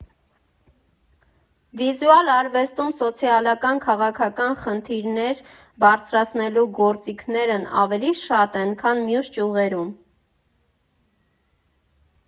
Վիզուալ արվեստում սոցիալական, քաղաքական խնդիրներ բարձրացնելու գործիքներն ավելի շատ են, քան մյուս ճյուղերում։